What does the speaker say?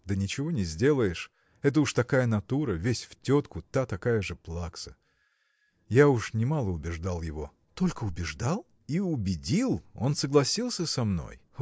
– Да ничего не сделаешь: это уж такая натура. Весь в тетку: та такая же плакса. Я уж немало убеждал его. – Только убеждал? – И убедил: он согласился со мной.